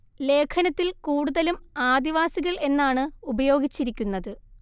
ലേഖനത്തിൽ കൂടുതലും ആദിവാസികൾ എന്നാണ് ഉപയോഗിച്ചിരിക്കുന്നത്